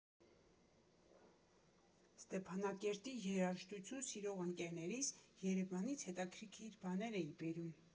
Ստեփանակերտի երաժշտություն սիրող ընկերներիս Երևանից հետաքրքիր բաներ էի բերում։